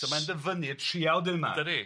So mae'n dyfynnu'r triawd yma... Yndydi?...